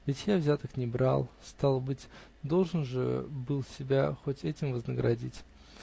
Ведь я взяток не брал, стало быть, должен же был себя хоть этим вознаградить.